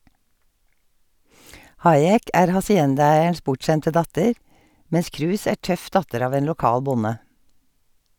Hayek er haciendaeierens bortskjemte datter, mens Cruz er tøff datter av en lokal bonde.